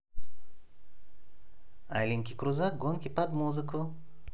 аленький крузак гонки под музыку